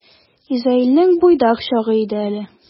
Изаилнең буйдак чагы иде әле.